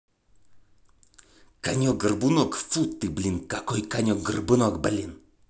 конек горбунок фу ты блин какой конек горбунок блин